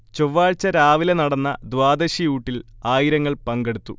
ചൊവ്വാഴ്ച രാവിലെ നടന്ന ദ്വാദശിഊട്ടിൽ ആയിരങ്ങൾ പങ്കെടുത്തു